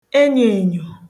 enyō ènyò